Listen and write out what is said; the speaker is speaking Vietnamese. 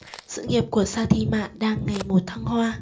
sự nghiệp của xa thi mạn đang ngày một thăng hoa